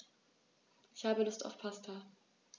Ich habe Lust auf Pasta.